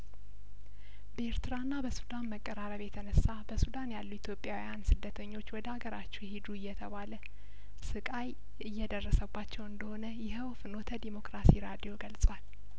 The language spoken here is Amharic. በኤርትራና በሱዳን መቀራረብ የተነሳ በሱዳን ያሉ ኢትዮጵያውያን ስደተኞች ወደ አገራችሁ ሂዱ እየተባለ ስቃይ እየደረሰባቸው እንደሆነ ይኸው ፍኖተ ዲሞክራሲ ራዲዮ ገልጿል